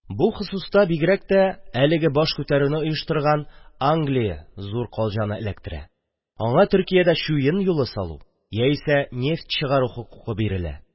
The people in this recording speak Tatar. Бу хосуста бигрәк тә әлеге баш күтәрүне оештырган Англия зур калҗаны эләктерә: аңа Төркиядә чуен юлы салу яисә нефт чыгару хокукы бирелә.